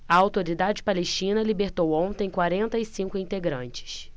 a autoridade palestina libertou ontem quarenta e cinco integrantes